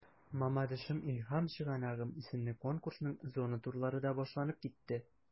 “мамадышым–илһам чыганагым” исемле конкурсның зона турлары да башланып китте.